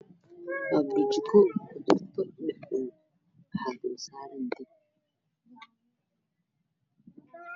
Waa jiko saaran ceeg weyn iyo ber